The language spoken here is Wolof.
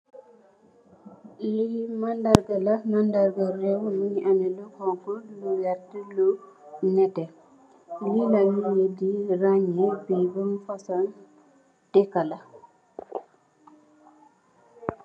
Lii mandarga la, mandarga rew la, lu xonxo, lu ñuul, lu nétté. Lii la nit ñi di rañee, ban fasoñ dekka.